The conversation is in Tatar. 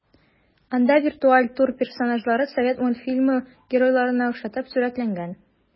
Анда виртуаль тур персонажлары совет мультфильмы геройларына охшатып сурәтләнгән.